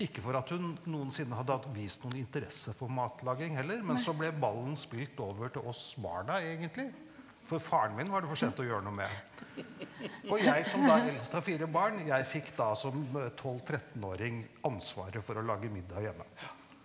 ikke for at hun noensinne hadde hatt vist noen interesse for matlaging heller, men så ble ballen spilt over til oss barna egentlig, for faren min var det for sent å gjøre noe med, og jeg som da eldst av fire barn, jeg fikk da som tolv trettenåring ansvaret for å lage middag hjemme.